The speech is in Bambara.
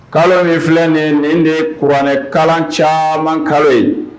Kalo min filɛ nin ye, nin de ye kuranɛ kalan caman kalo ye.